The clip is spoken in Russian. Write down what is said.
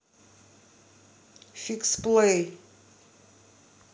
фикс плэй